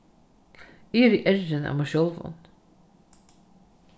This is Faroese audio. eg eri errin av mær sjálvum